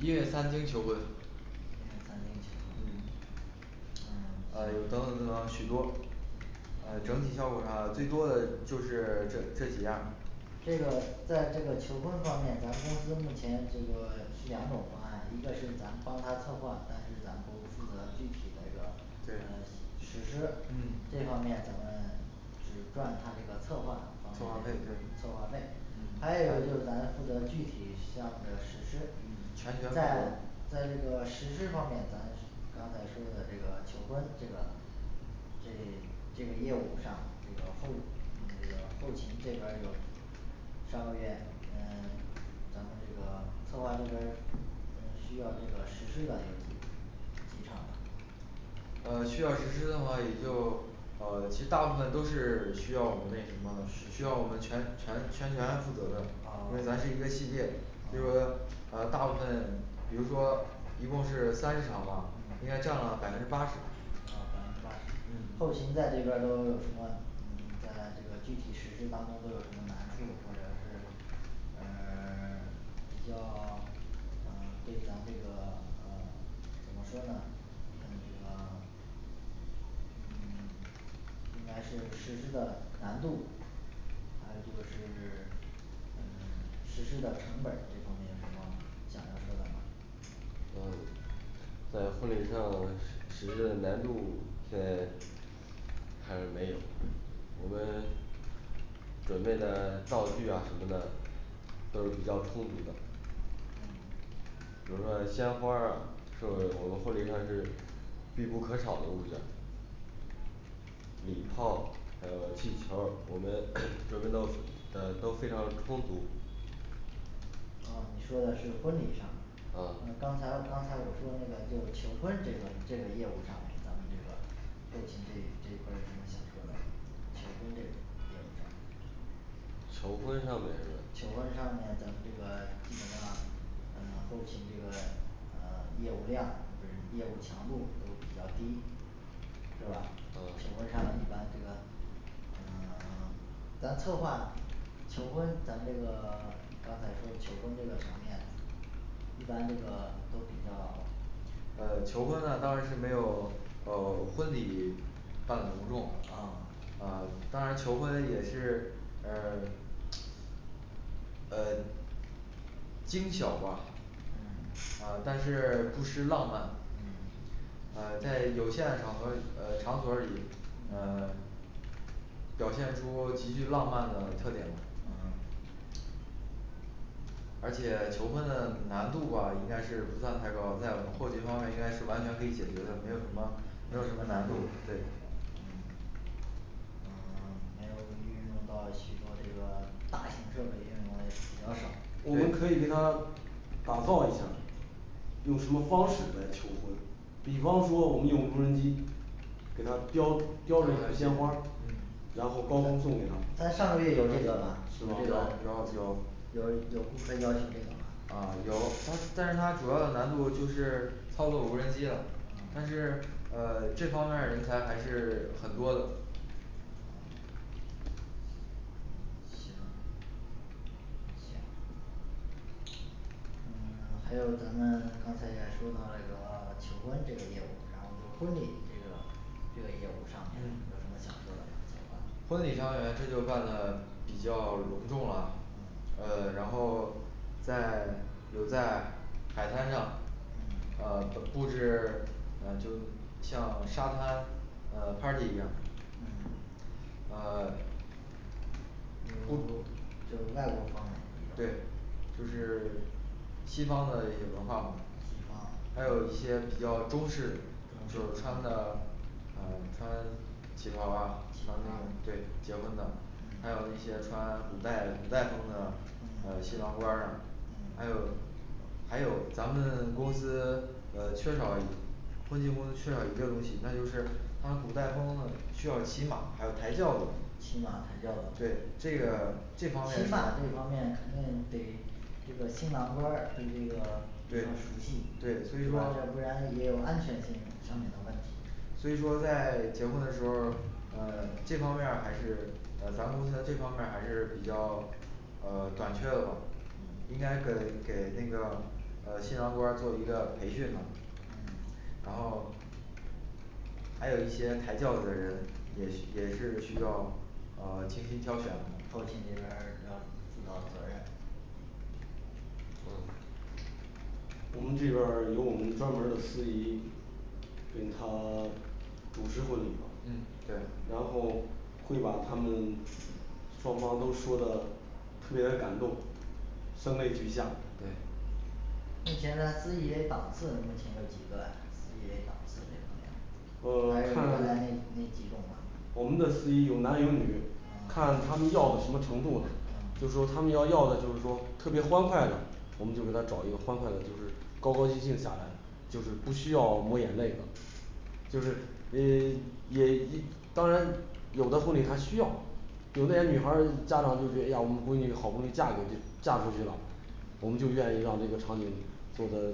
音乐餐厅求婚音乐餐厅求婚嗯啊嗯行有等等等等许多啊整体效果呢最多的就是这这几样儿这个在这个求婚方面咱们公司目前这个 是两种方案一个是咱们帮他策划但是咱们公司负责具体的一个对呃实施嗯这方面咱们只赚他这个策划啊策划费对策划费还有一个就是咱负责具体项目的实施嗯全权负在责在这个实施方面咱刚才说的这个求婚这个这这个业务上这个后这个后勤这边儿有上个月嗯 咱们这个策划这边儿呃需要这个实施的有几几场呢呃，需要实施的话也就嗯，其实大部分都是需要我们那什么呢是需要我们全全全员负责的因为啊咱是一个系列比如啊说啊大部分比如说一共是三场吧应嗯该占了百分之八十啊百分之八十后嗯勤在这边儿都有什么嗯在这个具体实施当中都有什么难处或者是呃 比较啊 对咱这个呃怎么说呢嗯这个应该是实施的难度还有就是 嗯 实施的成本儿这方面什么想要说的吗呃在婚礼上实施的难度现在还是没有我们准备的道具啊什么的都是比较充足的嗯比如说鲜花儿啊这个我们婚礼上是必不可少的物件儿礼炮还有气球儿我们 准备到的都非常充足嗯你说的是婚礼上嗯嗯，刚才刚才我说那个就是求婚这个这个点咱们这个这个，后勤对这一块有什么想说的求婚这个业务上求婚上面是白求婚上面咱们这个基本上呃 后勤这个呃 业务量业务强度都比较低是吧嗯求婚上一般这个呃 咱策划求婚咱这个刚才说求婚这个场面一般这个都比较呃求婚呢当然是没有噢，婚礼办的隆重啊嗯，当然求婚也是呃 呃 精小化嗯啊但是不失浪漫嗯呃在有限场合呃场所儿里呃 表现出极具浪漫的特点来嗯而且求婚的难度吧应该是不算太高在我们后勤方面应该是完全可以解决的没有什么没有什么难度对嗯嗯 没有运用到许多这个大型设备应用嘞比较少我们可以给他打造一下儿用什么方式来求婚比方说我们用无人机给他雕雕的满鲜花儿嗯然后帮他送给她他啊上个月有这个吧有这个有有有有有顾客要求这个吗啊有它，但是它主要的难度就是操作无人机啦但是呃 这方面儿人才还是很多的啊行行嗯 还有咱们刚才也说到了求婚这个业务然后就婚礼这个这个业务上面有什嗯么想说的吗从婚礼上面这就办的比较隆重啦嗯呃 然后在有在海滩上嗯啊播 布置 啊就像沙滩呃party一样嗯啊 有 就是外国风嘞这对种就是西方的一些文化嘛西方还有一些比较中式的中式的就穿的嗯穿 旗袍儿啊旗袍啊儿对结婚的啊对结婚的还有嗯那些穿古代的古代风的呃嗯新郎官儿啊嗯还有还有咱们公司呃缺少婚庆公司缺少一个东西那就是穿古代风的需要骑马还要抬轿子骑马抬轿子对这个这骑马方面这对方面方面肯定得这个新郎官儿对这个比较熟对悉对所以是说吧这不然也有安全性上面的问题所以说在结婚的时候儿，嗯这方面儿还是呃咱公司在这方面儿还是比较呃 短缺的吧应该给给那个呃新郎官儿做一个培训呢嗯然后还有一些抬轿子的人也需也是需要呃精心挑选我后们勤这边儿要负到责任嗯我们这边儿有我们专门儿的司仪给他 主持婚礼吧嗯，对然后会把他们双方都说的特别的感动声泪俱下对目前呢司仪的档次能请到几个啊司仪的档次这个哦那看那几种啊我们的司仪有男有女嗯看他们要的什么程度了嗯就说他们要要的就是说特别欢快的我们就给他找一个欢快的就是高高兴兴下来的就是不需要抹眼泪的就是诶也当然有的婚礼它需要有那些女孩儿家长就觉得唉呀我们闺女好不容易嫁过去嫁出去啦嗯我们就愿意让这个场景做的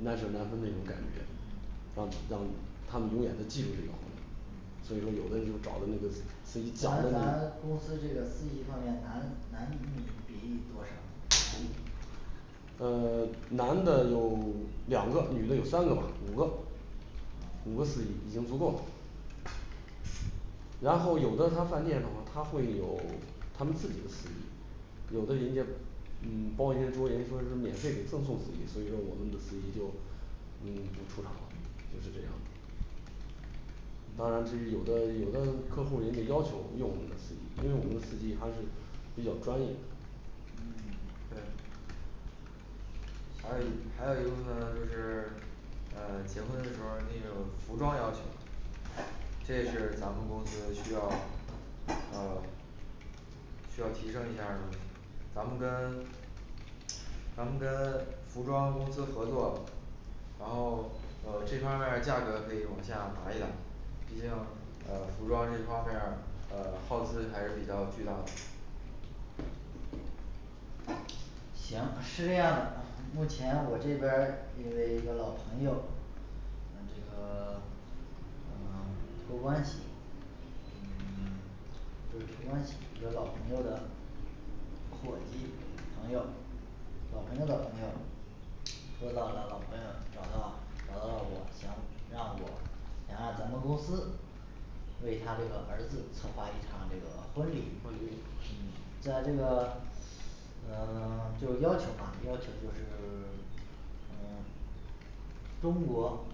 难舍难分那种感觉&嗯&让让他们永远的记住这句话所嗯以说有的人就找到那个自己找的那咱咱个公司这个经济方面男男女女比例多少呃 男的有 两个女的有三个吧五个五个司仪已经足够然后有的他饭店的话他会有 他们自己的司仪有的人家嗯包先说人家说是免费给赠送回去所以说我们的司仪就嗯不出场了就是这样当然对于有的有的客户人家要求用我们的司仪因为我们司仪还是比较专业的嗯对还有行还有一部分就是呃 结婚的时候儿那个服装要求这是咱们公司需要啊需要提升一下儿咱们跟 咱们跟服装公司合作然后哦这方面儿价格可以往下打一打毕竟呃服装这方面儿呃耗资还是比较巨大的行是这样的目前我这边儿因为一个老朋友嗯这个 呃 托关系嗯 不是托关系一个老朋友的伙计朋友老朋友的朋友收到了老朋友找到找到了我想让我想让咱们公司为他这个儿子策划一场这个婚礼婚礼嗯在这个嗯 就要求吧要求就是 嗯 中国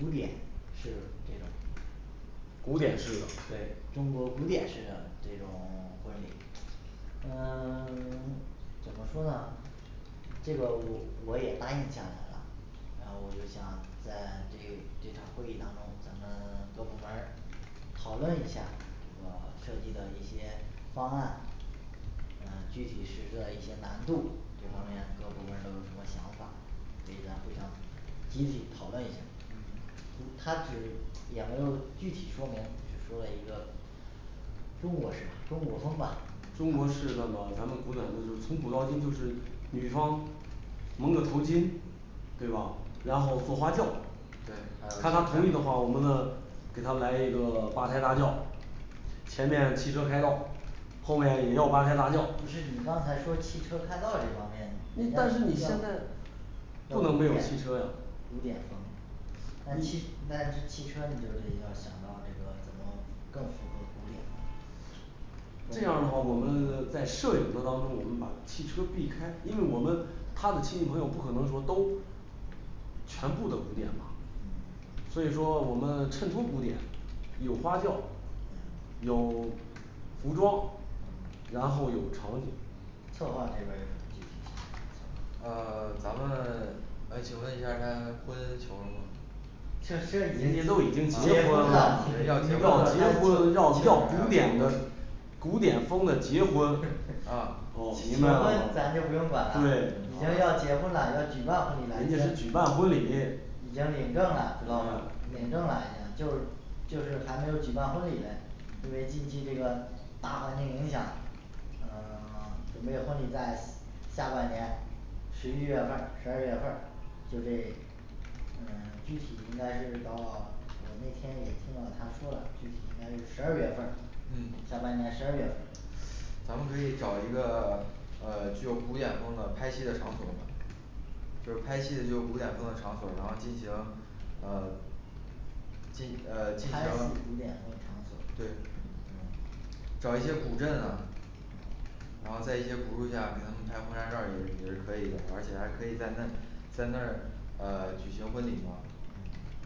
古典式这种古典式的对中国古典式的这种 婚礼嗯 怎么说呢 这个我我也答应下来了然后我就想在这这场会议当中咱们 各部门儿讨论一下这个设计的一些方案嗯具体实施的一些难度这方面各部门儿都有什么想法所以咱互相集体讨论一下儿嗯他只也没有具体说明就说了一个中国式吧中国风吧中国式那么咱们古代就是从古到今就是女方蒙个头巾对吧然后坐花轿对还看有一个他同意的话我们呢给他来一个八抬大轿前面汽车开道后面也要八抬大轿不是你刚才说汽车开道这方面你人家但是你现要在不古能没有典汽车啊古典风那汽那这汽车你就要想到这个怎么更符合古典呢中国的中国风这样的话我们在摄影的当中我们把汽车避开因为我们他的亲戚朋友不可能说都 全部的古典吧嗯所以说我们衬托古典有花轿嗯有服装嗯然后有场景策划这边儿有什么具体想的策划呃 咱们呃请问一下儿他婚求了吗这这这都已已经经结结结婚婚了了，你结婚问要他求要求古 典风古典风的结婚 啊懂求明白吗婚咱就不用管了 对已经要结婚啦要举办婚礼啦人家是举办婚礼已经领证了知知道道吗领证了已经就就是还没有举办婚礼嘞因为嗯近期这个大环境影响呃 准备婚礼在下下半年十一月份儿十二月份儿就这嗯具体应该是到我那天也听了他说了具体应该是十二月份儿嗯下半年十二月份儿咱们可以找一个呃 具有古典风的拍戏的场所儿吗就是拍戏的就古典风的场所儿然后进行啊拍戏进呃进行古典风场所儿对找一些古镇呐然后在一些古树下给他们拍婚纱照儿也是也是可以的而且还可以在那在那儿啊举行婚礼嘛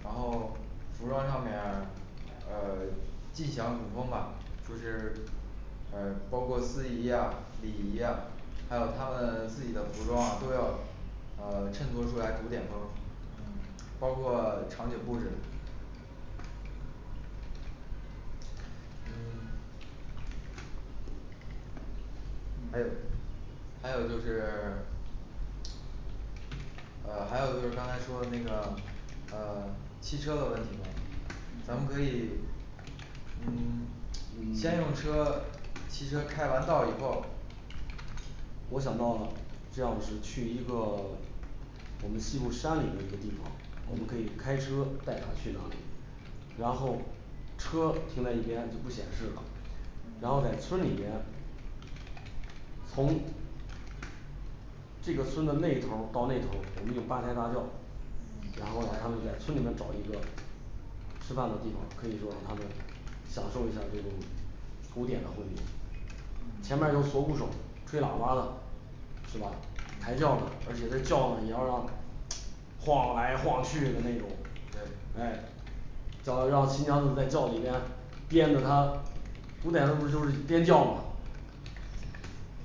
然后服装上面儿呃地形普通嘛就是嗯包括司仪啊礼仪啊还有他们自己的服装啊都要呃衬托出来古典风嗯包括场景布置嗯还有嗯 还有就是呃还有就是刚才说的那个呃 汽车的问题嘛咱们嗯可以嗯嗯 先用车汽车开完道以后我想到这样是去一个 我们西部山里的一个地方我们可以嗯开车带他去哪里然后车停在一边就不显示了然嗯后在村里面从这个村的那头儿到那头儿我们用八抬大轿嗯然后嘞他们在村里面找一个吃饭的地方可以说让他们享受一下这种古典的婚礼嗯前面有唢鼓手儿吹喇叭的是吧抬嗯轿子而且这轿子也要让 晃来晃去的那种对诶搅的让新娘子在轿子里面颠的她古典的时候不都是颠轿子嘛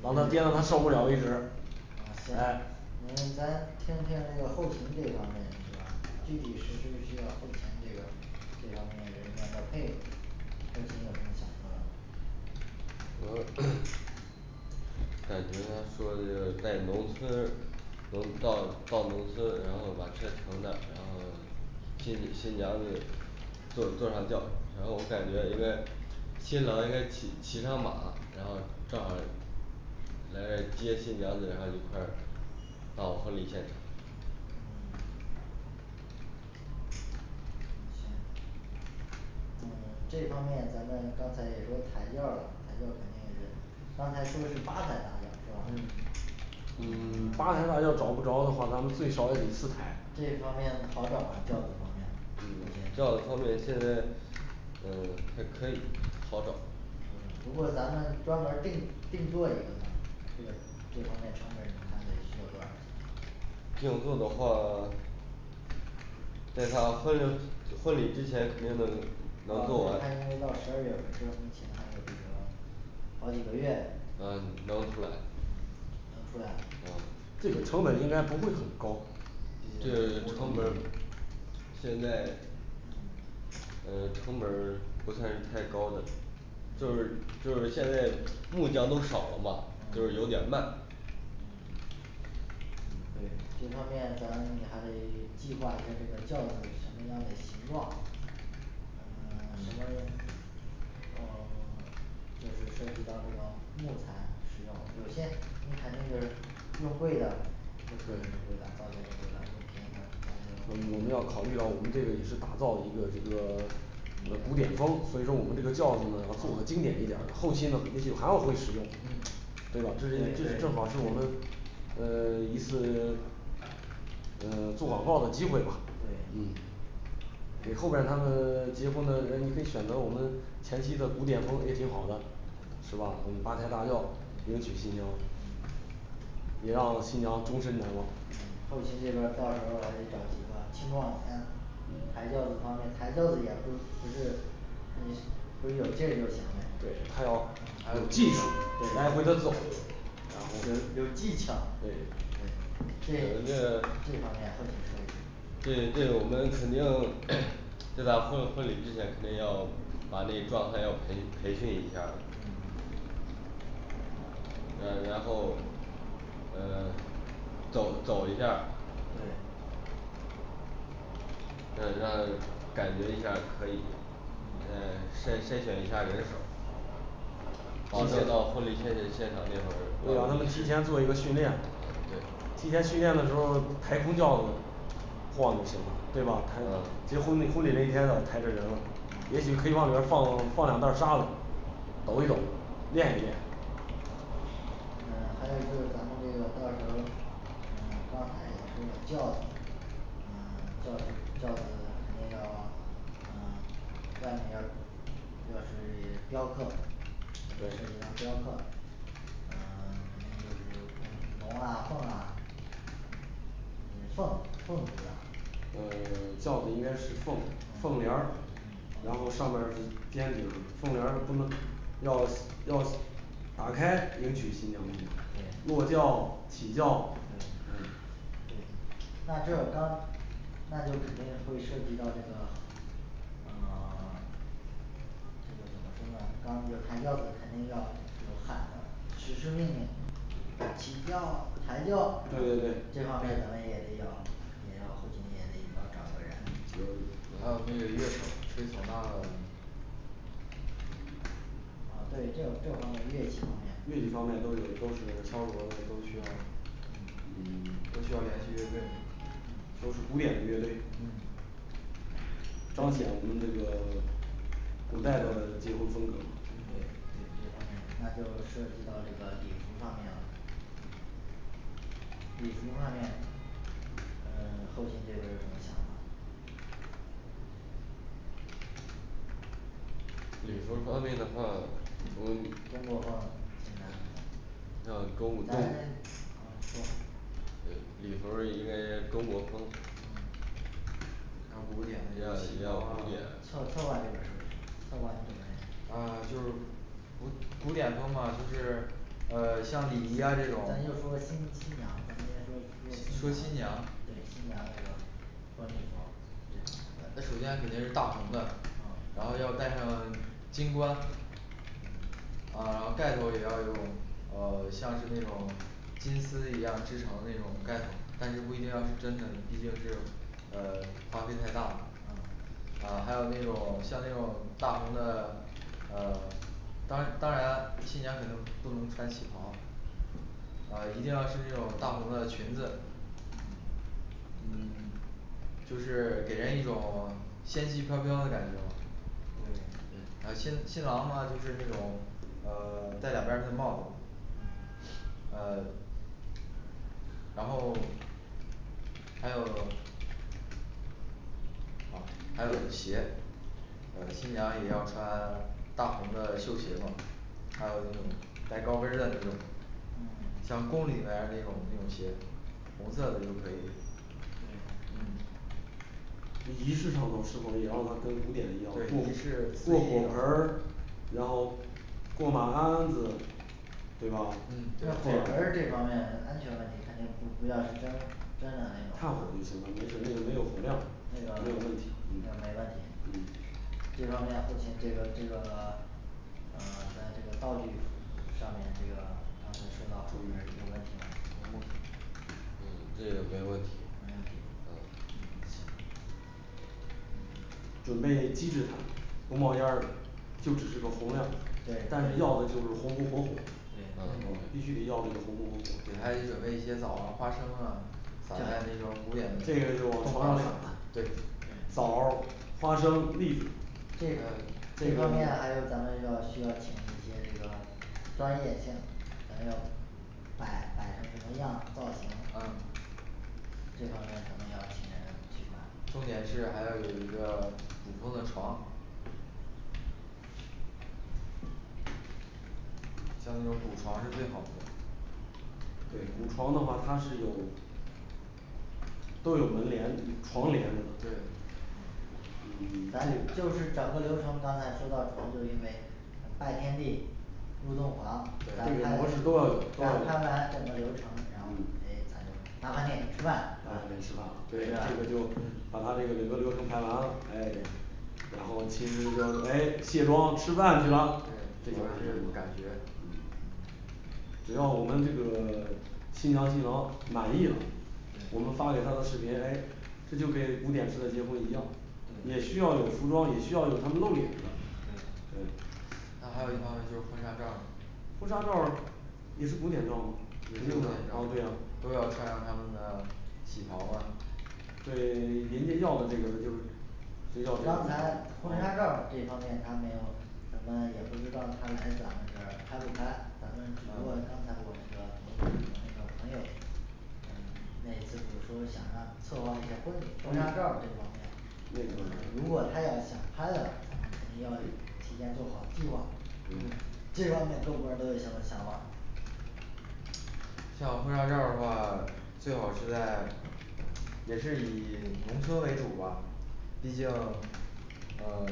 完了颠着她受不了为止嗯行诶那咱听听那个后勤这方面啊具体实施需要会谈这边儿这边儿人员的配合后勤有什么想说的吗有个 感觉他说的这个在农村农到到农村然后把车停那然后新新娘子坐坐上轿然后我感觉应该新郎应该骑骑上马然后正好儿来接新娘子然后一块儿到婚礼现场嗯嗯行嗯 这方面咱们刚才也说材料材料肯定也刚才说是八抬大轿是吧嗯嗯 八抬大轿找不着的话咱们最少也得四抬这方面好找吗轿子方面后勤轿子方面现在呃还可以好找如果咱们专门儿定定做一个呢这个这方面成本儿你看得需要多少钱呢定做的话在他婚婚礼之前肯定能啊能做完对他因为到十二月份儿这目前还有一个好几个月嘞嗯能出来能出来嗯这个成本应该不会很高你这这个个成本儿现在嗯呃 成本儿不算太高的就是就是现在木匠都少了嘛就嗯是有点儿慢嗯对这方面咱们还得计划一下这个轿子什么样的形状啊 谁哦 就是涉及到这种木材这种有些木材呐个又贵啊嗯我们要考虑到我们这个也是打造的一个这个古典风所以说我们这个轿子呢要做的经典一点后期呢也许还要会使用嗯对吧这是一对这是正对好儿是我们呃 一次 呃做广告的机会吧对嗯给后边他们 结婚的人你可以选择我们前期的古典风也挺好的是吧我们八抬大轿迎娶新娘嗯也让新娘终身难忘后嗯勤这边儿到时候还得找几个青壮年抬轿子方面抬轿子也不一 不是你不是有劲儿就行嘞对还要有技术得来对回的走有有技巧啊还有对有对一个这这方面后勤说一说对对我们肯定 在他婚婚礼之前肯定要把那状态要培培训一下儿嗯然后呃 走走一下儿对感觉一下儿可以嗯呃筛筛选一下儿人手儿把接到婚礼现现场那会儿对呀他们提前做一个训练对提前训练的时候抬空轿子晃步行对吧开啊结婚的以后得那天的抬的人也许可以往里面放放两袋沙子走一走练一练嗯还有一个咱们那个到时候嗯刚才也说了轿子嗯轿子轿子没有嗯 外面要要是雕刻肯定对涉及到雕刻嗯 肯定就是宫龙啊凤啊嗯凤凤主打嗯 轿子应该是凤凤帘嗯儿然嗯后上面儿是尖顶凤帘儿不能要要打开迎娶新娘子嘛对落轿起轿对对对那这个钢那就肯定会涉及到这个呃 这个这个这真要刚就是抬轿子肯定要有汗指示命令起轿抬轿对对这对方面可能也比较地方找个有有有人还有那个乐手儿吹唢呐的呃对这这方面乐器方面乐礼方面都有都是敲锣的都需要嗯嗯都需要联系乐队吗都是古典的乐队嗯彰显我们这个古代的结婚风格嘛嗯对这方面有那些方面就涉及到这个礼服儿方面了礼服儿方面呃后勤这边儿有什么想法礼服方面的话我们中国风近代远离要中中咱们嗯说呃礼服也应该中国风嗯他古典也那个要也要古典到策划就也是你后来我们准备啊就古古典风吗就是呃像礼仪啊咱这种咱就说新新娘咱先说说说新新娘娘对新娘那个婚礼服儿那首先肯定是大红的嗯然后要戴上金冠啊然后盖头也要用呃像是那种金丝一样织成的那种盖头但是不一定要是真的毕竟是呃花费太大了嗯啊还有那种像那种大红的啊当当然新娘可能不能穿旗袍呃一定要是那种大红的裙子嗯 就是给人一种仙气飘飘的感觉嘛对啊新新郎啊就是这种呃戴两边儿式帽子呃 然后还有啊还有鞋呃新娘也要穿大红的绣鞋嘛还有那种带高跟儿的那种嗯像宫里边儿那种那种鞋红色的就可以对嗯仪式上头是否也要它跟古典一样对仪过过式火盆儿然后过马鞍子对吧嗯这，对火盆这方面安全问题还是不要纠纷炭火就行没有没有那没有问题个没有问题嗯这方面后勤这个这个呃 在这个道路上面这个啊指示和婚礼那儿都有问题没这个没问题准备机制炭不冒烟儿的就只是个洪亮对但是要的就是红红火火必须得要的红红火啊火对还得准备一些枣啊花生啊加上那种中古典的这个就对枣儿花生蜜这这这个方面还有咱们要需要请一些这个专业性摆摆成什么样造型啊这方面咱们要请人去办重点是还要有一个古风的床像那种古床是最好的对古床的话它是有都有门帘子床帘子对咱得就嗯 是整个流程刚才说到成婚预备拜天地入洞房咱拍这完整个流程然后嗯诶麻烦你吃饭嗯吃饭啊所以呢这个就把他这个整个流程看完了唉然后其实就唉卸妆吃饭去了对主要就是感觉只要我们这个 新娘新郎满意了我嗯们发给他的视频诶这就跟古典式的结婚一样也对需要有服装也需要有他们露脸的那还有一方面就是婚纱照儿婚纱照儿也是古典照儿嘛也是古典照啊儿对呀都要穿上他们的喜袍吧对人家要的这个呢就是只要刚啊才婚纱照儿这方面他没有咱们也不知道他来讲那个还有他咱们只不过刚才我那个同事我那个朋友嗯内一次跟我说想要策划一场婚礼婚纱照嗯儿这方面内个如果他要想他要肯定要提前做好计划嗯嗯这方面各部门儿都有什么想法像婚纱照儿的话最好是在也是以原车为主吧毕竟啊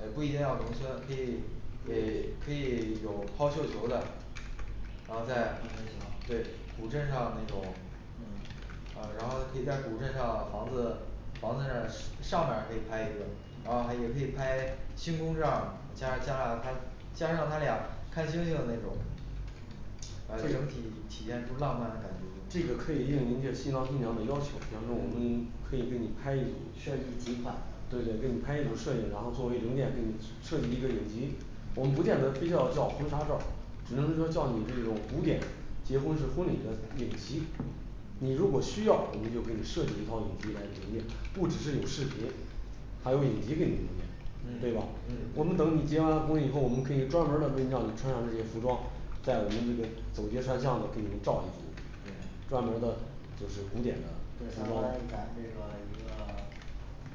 诶不一定要农村可以诶可以有抛绣球儿的然后抛绣再球儿对古镇上那种嗯啊然后可以在古镇上房子房子上面可以拍一个然后还也可以拍星空照加加俩加加上他俩看星星那种啊整体体现出浪漫的感觉这个可以应人家新郎新娘的要求比方说我们可以给你拍一组眩晕题款的对对给你拍一组摄影然后作为留念给你是 设计一个影集我们不见得非叫叫婚纱照儿只能说照你这种古典结婚是婚礼的影集你如果需要我们就给你设计一套影集来留念不只是有视频还有你一个人的容面对嗯吧我们嗯等你结完婚以后我们可以专门儿的为让你穿上这些服装在我们这个总结摄像的给你照一个专门的就是古典的婚对纱咱这个一个